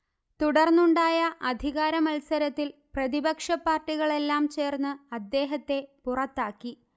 തുടർന്നുണ്ടായ അധികാരമത്സരത്തിൽ പ്രതിപക്ഷ പാർട്ടികളെല്ലാം ചേർന്ന് അദ്ദേഹത്തെ പുറത്താക്കി